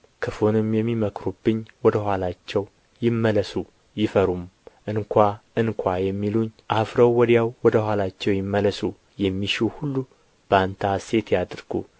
ክፉንም የሚመክሩብኝ ወደ ኋላቸው ይመለሱ ይፈሩም እንኳ እንኳ የሚሉኝ አፍረው ወዲያው ወደ ኋላቸው ይመለሱ የሚሹህ ሁሉ በአንተ ሐሤት ያድርጉ